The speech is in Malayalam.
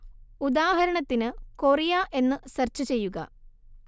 ഉദാഹരണത്തിന് കൊറിയ എന്നു സെർച്ച് ചെയ്യുക